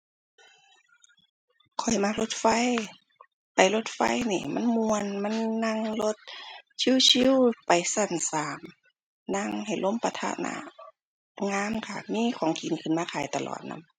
ข้อยมักรถไฟ ไปรถไฟนี่มันม่วน มันนั่งรถชิวชิว ไปชั้นสาม นั่งให้ลมปะทะหน้า งามค่ะ มีของกินขึ้นมาขายตลอดนำ